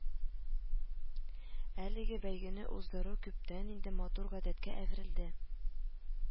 Әлеге бәйгене уздыру күптән инде матур гадәткә әверелде